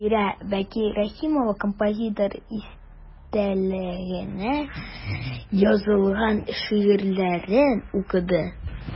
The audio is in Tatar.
Шагыйрә Бикә Рәхимова композитор истәлегенә язылган шигырьләрен укыды.